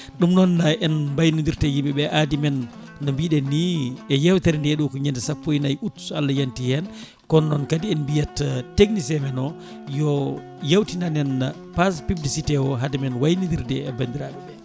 ɗum noon en mbaynodirtu e yimɓeɓe aadi men ko no mbiɗen ni e yewtere nde ɗo ko ñande sappo e naayi août so Allah hanti hen kono noon kadi en mbiyat technicien men o yo yawtinan en page publicité o haademen waynodirde e bandiraɓeɓe